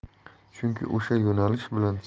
chunki o'sha yo'nalish bilan